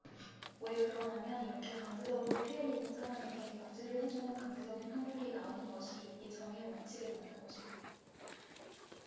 왜 그러냐면 이렇게 강제적으로 피해를 입은 사람에게 구제를 해 주는 강제적인 판결이 나오는 것이 이게 정의의 원칙에 맞는 것이거든요